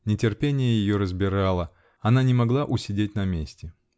Нетерпение ее разбирало: она не могла усидеть на месте.